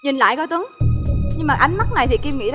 nhìn lại coi tuấn nhưng mà ánh mắt này thì kim nghĩ